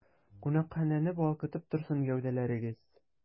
Кунакханәне балкытып торсын гәүдәләрегез!